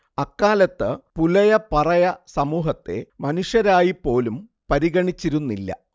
അക്കാലത്ത് പുലയപറയ സമൂഹത്തെ മനുഷ്യരായി പോലും പരിഗണിച്ചിരുന്നില്ല